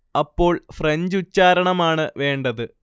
അപ്പോൾ ഫ്രഞ്ചുച്ചാരണമാണ് വേണ്ടത്